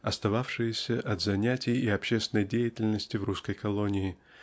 остававшееся от занятий и общественной деятельности в русской колонии